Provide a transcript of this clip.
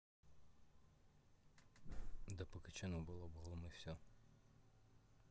да покачену балабол и все